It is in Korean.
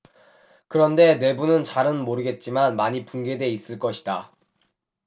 그런데 내부는 잘은 모르겠지만 많이 붕괴돼 있을 것이다